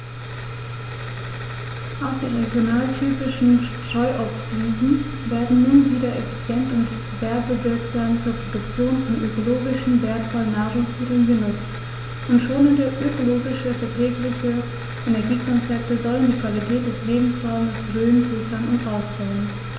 Auch die regionaltypischen Streuobstwiesen werden nun wieder effizient und werbewirksam zur Produktion von ökologisch wertvollen Nahrungsmitteln genutzt, und schonende, ökologisch verträgliche Energiekonzepte sollen die Qualität des Lebensraumes Rhön sichern und ausbauen.